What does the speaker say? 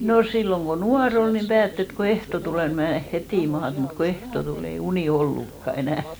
no silloin kun nuori oli niin päätti että kun ehtoo tulee niin menee heti maata mutta kun ehtoo tuli ei uni ollutkaan enää